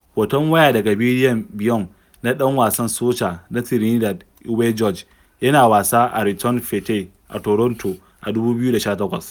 Hoton waya daga bidiyon ɓimeo na ɗan wasan soca na Trinidad Iwer George, yana wasa a Return Fete a Toronto a 2018.